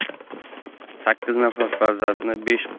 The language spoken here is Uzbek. sakkiz nafar farzandni besh qiz